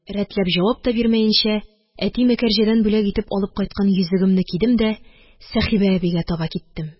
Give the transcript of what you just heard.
Рәтләп җавап та бирмәенчә, әти Мәкәрҗәдән бүләк итеп алып кайткан йөзегемне кидем дә Сәхибә әбигә таба киттем